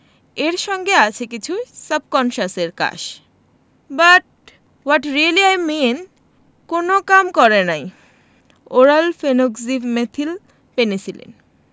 এর সঙ্গে আছে কিছু সাবকন্সাসের কাশ but what really I mean কোন কাম করে নাই ওরাল ফেনোক্সিমেথিল পেনিসিলিন